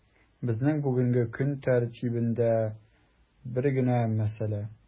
Безнең бүгенге көн тәртибендә бер генә мәсьәлә: